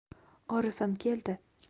orifim keldi